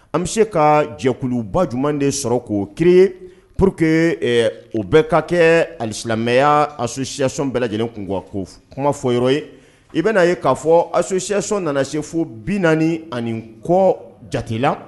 An bɛ se ka jɛkuluba jumɛn de sɔrɔ k'o kie pour que o bɛ ka kɛ ali silamɛmɛya acsin bɛɛ lajɛlen kun ko kɔnkan fɔ yɔrɔ ye i bɛna'a ye k'a fɔ acti nana se fo bi naani ani kɔ jate la